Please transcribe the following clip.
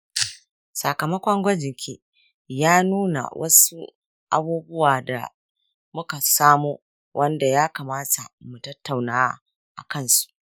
sakamakon gwajin ki ya gwada wasu abubuwa da muka samo wanda ya kamata mu tattauna akansu.